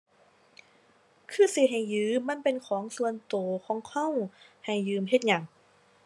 คือสิให้ยืมมันเป็นของส่วนตัวของตัว ให้ยืมเฮ็ดหยัง